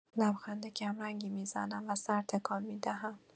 لبخند کم‌رنگی می‌زنم و سر تکان می‌دهم.